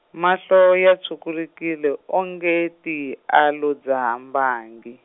mahlo ya tshwukulukile- o nge ti, a lo dzaha mbangi.